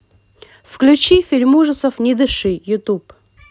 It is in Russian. включи фильм ужасов не дыши ютуб